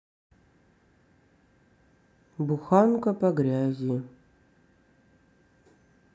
буханка по грязи